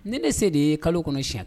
Ni ne se de ye kalo kɔnɔ si